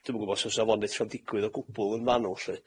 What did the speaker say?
Dwi'm yn gwbo' os o's 'a fonitro'n digwydd o gwbwl yn fanwl lly.